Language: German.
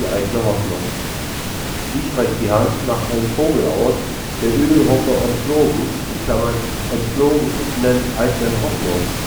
Eitle Hoffnung). Sie streckt die Hand nach einem Vogel aus, der Ydel Hope ontflogen (Entflogenen eitlen Hoffnung